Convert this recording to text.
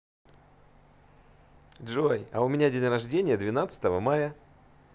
джой а у меня в день рождения двенадцатого мая